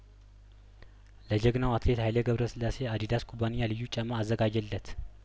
ለጀግናው አትሌት ሀይሌ ገብረስላሴ አዲዳስ ኩባንያ ልዩ ጫማ አዘጋጀለት